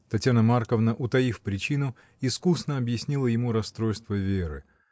Татьяна Марковна, утаив причину, искусно объяснила ему расстройство Веры.